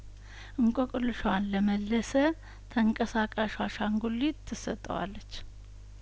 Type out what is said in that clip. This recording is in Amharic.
እንቆቅልሿን ለመለሰ ተንቀሳቃሿ አሻንጉሊት ትሰጠዋለች